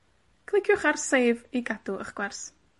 Cliciwch ar Save i gadw 'ych gwers.